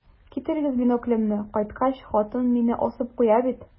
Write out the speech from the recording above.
Китерегез биноклемне, кайткач, хатын мине асып куя бит.